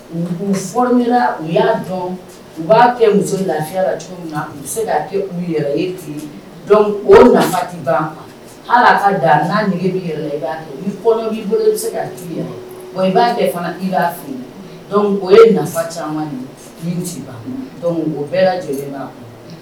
Dugu fɔlɔ u y'a dɔn u b'a kɛ muso lafiya la u bɛ se k'a kɛ u yɛrɛ ma hali ka da nage bɛ i b'i bolo i bɛ k' i b'a i b'a fili ye nafa caman bɛɛ joli